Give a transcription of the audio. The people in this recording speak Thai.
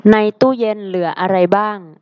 ในตู้เย็นเหลืออะไรบ้าง